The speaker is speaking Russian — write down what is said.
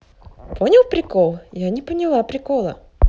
понял прикол я не поняла прикола